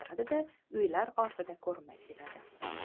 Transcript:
uylar ortida ko'rinmay ketadi